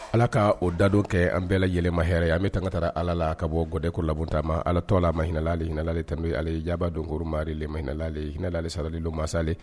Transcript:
Ala ka o dadon kɛ an bɛɛ lajɛn ma hɛrɛ ye, an bɛ tanka taara allah la ka bɔ gɛrɛko ma, labonta ma allah tɔgɔ lamahinɛnale, mahinle ten 'ale, hinɛlali sarali don masale